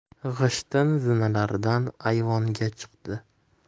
g'ishtin zinalardan ayvonga chiqdi